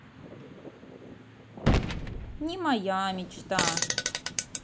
не моя мечта